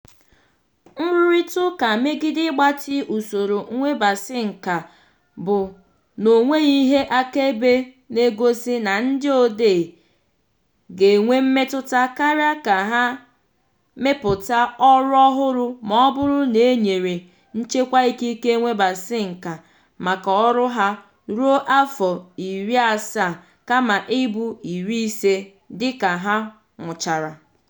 Nrụrịtaụka megide ịgbatị usoro nnwebisiinka bụ na ọ nweghị ihe akaebe na-egosi na ndị odee ga-enwe mmetụta karịa ka ha mepụta ọrụ ọhụrụ maọbụrụ na e nyere nchekwa ikike nnwebiisinka maka ọrụ ha ruo afọ 70 kama ịbụ 50 dịka ha nwụchara.